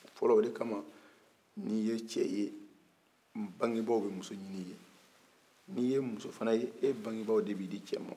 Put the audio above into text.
fɔlɔ o de kama ni ye cɛ ye bangebaw bɛ muso ɲini i ye ni ye muso fana e bangebaw de bi di ce ma